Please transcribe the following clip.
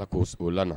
A ko o la